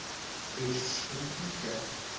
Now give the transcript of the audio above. eshitish kerakmi kerak